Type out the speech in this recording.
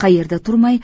qayerda turmay